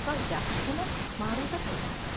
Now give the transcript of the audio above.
hatto yaxshigina maruza qilgandi